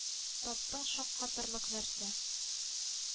Таптың шаккатырлык нәрсә.